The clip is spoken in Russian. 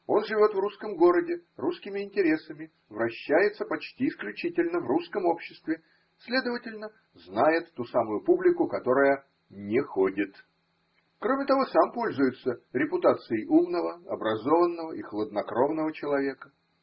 Он живет в русском городе, русскими интересами, вращается почти исключительно в русском обществе, следовательно, знает ту самую публику, которая не ходит: кроме того, сам пользуется репутацией умного, образованного и хладнокровного человека.